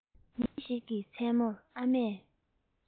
ཉིན ཞིག གི མཚན མོར ཨ མས